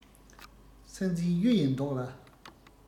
ས འཛིན གཡུ ཡི མདོག ལ